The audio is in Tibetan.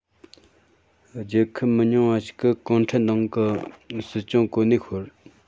རྒྱལ ཁབ མི ཉུང བ ཞིག གི གུང ཁྲན ཏང གི སྲིད སྐྱོང གོ གནས ཤོར